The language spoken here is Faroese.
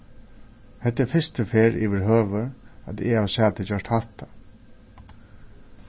hetta er fyrstu ferð yvirhøvur at eg havi sæð teg gjørt hatta